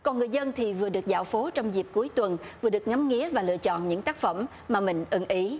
còn người dân thì vừa được dạo phố trong dịp cuối tuần vừa được ngắm nghía và lựa chọn những tác phẩm mà mình ưng ý